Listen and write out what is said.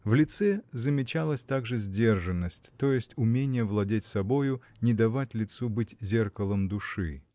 В лице замечалась также сдержанность то есть уменье владеть собою не давать лицу быть зеркалом души.